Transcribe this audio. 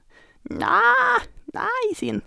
Nei, nei, sier han.